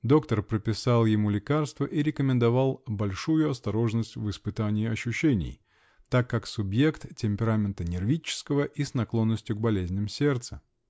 доктор прописал ему лекарство и рекомендовал "большую осторожность в испытании ощущений", так как субъект темперамента нервического и с наклонностью к болезням сердца.